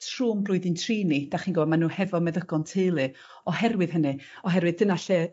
trw'n blwyddyn tri ni 'dach chi'n gwel' ma' n'w hefo meddygon teulu oherwydd hynny oherwydd dyna lle